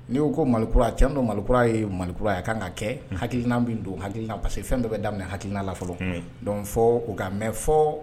Ni o malikura cɛndon malikura ye malikura. A ka kan ka kɛ hakilina min don hala parceque fɛn dɔ bɛ daminɛ hakiina la fɔlɔ dɔn fɔ u ka mɛn fɔ